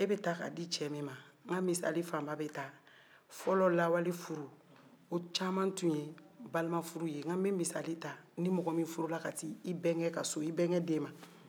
e bɛ ta ka di cɛ min ma n ka misali fanba bɛ ta fɔlɔ lawale furu o caman tun ye balimafurru ye n bɛ misali ta ni mɔgɔ min furula ka taa i bɛnkɛ ka so i bɛnkɛ den ma